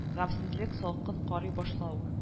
Гамьсезлек салкын карый башлау